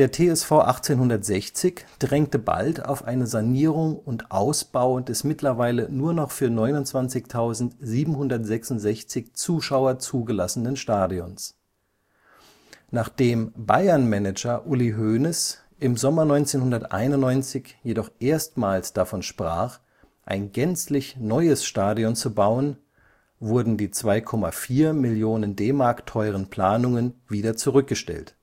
TSV 1860 drängte bald auf eine Sanierung und Ausbau des mittlerweile nur noch für 29.766 Zuschauer zugelassenen Stadions. Nachdem Bayern-Manager Uli Hoeneß im Sommer 1991 jedoch erstmals davon sprach, ein gänzlich neues Stadion zu bauen, wurden die 2,4 Millionen DM teuren Planungen wieder zurückgestellt